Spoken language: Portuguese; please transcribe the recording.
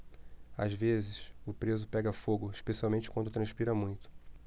às vezes o preso pega fogo especialmente quando transpira muito